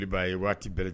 I b'a ye waati bɛ